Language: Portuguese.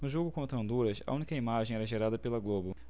no jogo contra honduras a única imagem era gerada pela globo